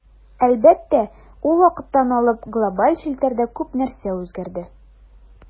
Әлбәттә, ул вакыттан алып глобаль челтәрдә күп нәрсә үзгәрде.